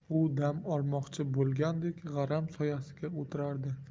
u dam olmoqchi bo'lgandek g'aram soyasiga o'tirardi